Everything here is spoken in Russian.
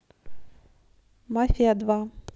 мафия два